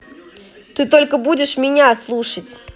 ты только будешь меня слушать